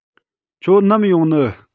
ཁྱོད ནམ ཡོང ནི